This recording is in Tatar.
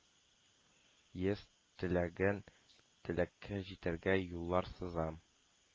Ез теләгән теләккә җитәргә юллар сызам,